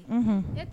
Unhun